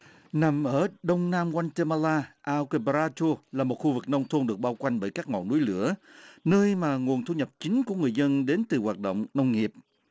nằm ở đông nam oăn tê ma la a que pờ ra chô là một khu vực nông thôn được bao quanh bởi các ngọn núi lửa nơi mà nguồn thu nhập chính của người dân đến từ hoạt động nông nghiệp